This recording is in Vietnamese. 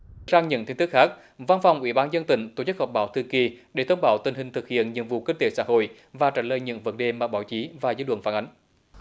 sang những tin tức khác văn phòng ủy ban dân tỉnh tổ chức họp báo thường kỳ để thông báo tình hình thực hiện nhiệm vụ kinh tế xã hội và trả lời những vấn đề mà báo chí và dư luận phản ánh